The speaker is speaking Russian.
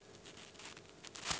фейковый митинг в поддержку лукашенко